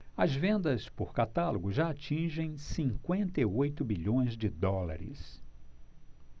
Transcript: as vendas por catálogo já atingem cinquenta e oito bilhões de dólares